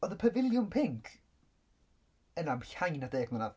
Oedd y Pafiliwn Pinc yna am llai na deg mlynedd.